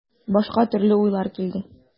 Башка төрле уйлар килде.